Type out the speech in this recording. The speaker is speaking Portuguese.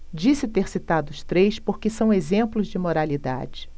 disse ter citado os três porque são exemplos de moralidade